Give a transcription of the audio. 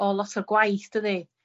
o lot o gwaith dydi?